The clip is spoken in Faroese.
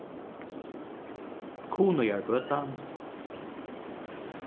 kunoyargøta